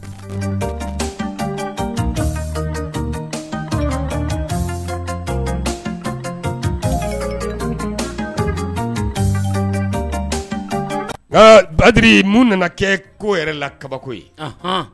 nka Badiri mun nana kɛ k ko yɛrɛ la kabako ye anhann